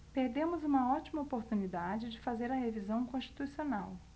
perdemos uma ótima oportunidade de fazer a revisão constitucional